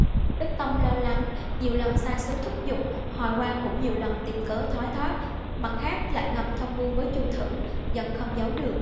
đức tông lo lắng nhiều lần sai sứ thúc giục hoài quang cũng nhiều lần tìm cớ thoái thác mặt khác lại ngầm thông mưu với chu thử dần không giấu được